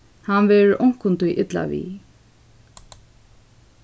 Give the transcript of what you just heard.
hann verður onkuntíð illa við